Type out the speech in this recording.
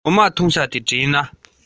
ཀླད པ ལ སྐྱོན ཡོད པ ངོས འཛིན བྱ སྲིད